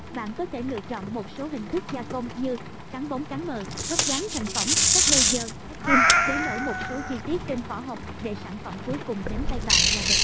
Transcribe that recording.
bạn có thể lựa chọn một số hình thức gia công như cán bóng cán mờ gấp dán thành phẩm cắt laser ép kim bế nổi một số chi tiết trên vỏ hộp để sản phẩm cuối cùng đến tay bạn là đẹp nhất